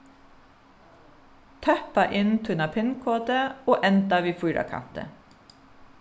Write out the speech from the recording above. tøppa inn tína pin-kodu og enda við fýrakanti